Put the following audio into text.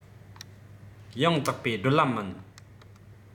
ཡང དག པའི བགྲོད ལམ མིན